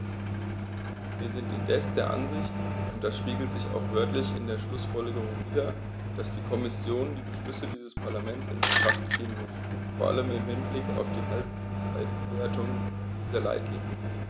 Wir sind indes der Ansicht und das spiegelt sich auch wörtlich in den Schlussfolgerungen wider, dass die Kommission die Beschlüsse dieses Parlaments in Betracht ziehen muss, vor allem im Hinblick auf die Halbzeitbewertung dieser Leitlinien.